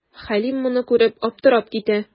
Хәлим моны күреп, аптырап китә.